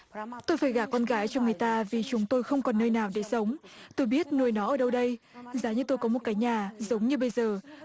tôi phải gả con gái cho người ta vì chúng tôi không còn nơi nào để sống tôi biết nuôi nó ở đâu đây giá như tôi có một cái nhà giống như bây giờ